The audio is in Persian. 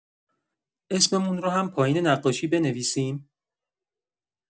اسممون رو هم پایین نقاشی بنویسیم؟